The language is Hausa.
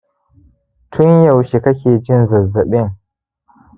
tun yaushe kake jin zazzabin